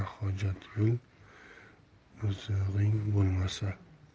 hojat yo'l ozig'ing bo'lmasa